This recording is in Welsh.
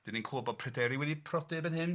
Dan ni'n clywed bod pryderi wedi prodi erbyn hyn.